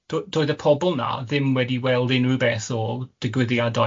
Do- doedd y pobol na ddim wedi weld unrhyw beth o ddigwyddiadau o flaen.